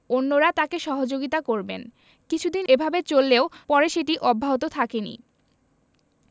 অন্যরা তাঁকে সহযোগিতা করবেন কিছুদিন এভাবে চললেও পরে সেটি অব্যাহত থাকেনি